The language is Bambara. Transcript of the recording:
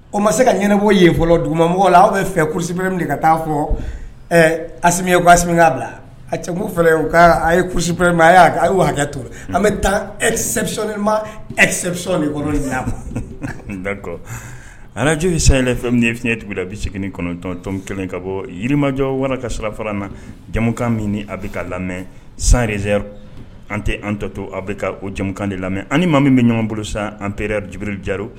O ma se ka ɲbɔ yen fɔlɔ dugubamɔgɔ la aw bɛ fɛ kurusipre minɛ de ka taa fɔ a min k'a bila a cɛ fɛ' a ye kurusiperee a y'a a ye hakɛ tu an bɛ taa e ma e anj sanyɛlɛ fɛn min fiɲɛɲɛ tugunida bɛtɔntɔnon kelen ka bɔ jirimajɔ wara ka sirara fara na jamumukan min a bɛ ka lamɛn san reze an tɛ an tɔto aw bɛ o jamumukan de lamɛn ni maa min bɛ ɲɔgɔn bolo san anperebiri jari